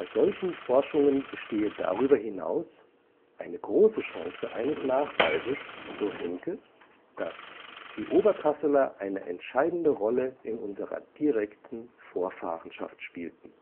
solchen Forschungen bestehe darüber hinaus „ eine große Chance “eines Nachweises, so Henke, dass „ die Oberkasseler eine entscheidende Rolle in unserer direkten Vorfahrenschaft spielten